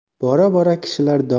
bora bora kishilar